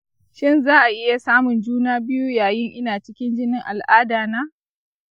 shin zan iya samun juna biyu yayin ina cikin jinin al'ada na?